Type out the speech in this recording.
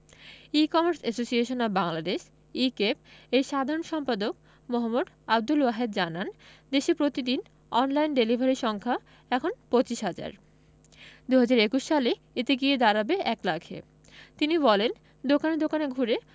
E commerce association of Bangladesh e CAB এর সাধারণ সম্পাদক মো. আবদুল ওয়াহেদ জানান দেশে প্রতিদিন অনলাইন ডেলিভারি সংখ্যা এখন ২৫ হাজার ২০২১ সালে এটি গিয়ে দাঁড়াবে ১ লাখে তিনি বলেন দোকানে দোকানে ঘুরে